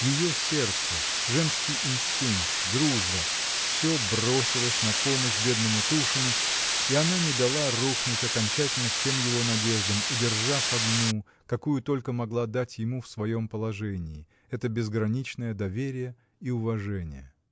Ее сердце, женский инстинкт, дружба — всё бросилось на помощь бедному Тушину, и она не дала рухнуть окончательно всем его надеждам, удержав одну, какую только могла дать ему в своем положении, — это безграничное доверие и уважение.